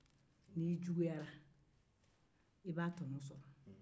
n'i juguya la i b'a tɔnɔ sɔrɔ